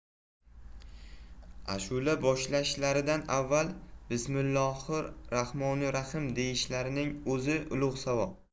ashula boshlashlaridan avval bismillohir rahmonir rohiym deyishlarining o'zi ulug' savob